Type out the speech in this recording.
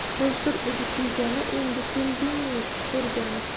bultur edi kuygani endi keldingmi so'rgani